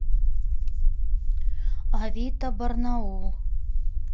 авито барнаул